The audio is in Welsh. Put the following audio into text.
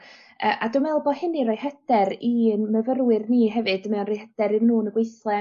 Yy a dwi me'wl bo' hynny roi hyder i'n myfyrwyr ni hefyd mae o roi hyder iddyn n'w yn y gweithle